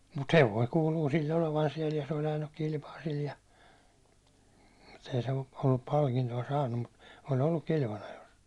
mutta hevonen kuuluu sillä olevan siellä ja se oli ajanutkin kilpaa sillä ja mutta ei se - ollut palkintoa saanut mutta oli ollut kilvanajossa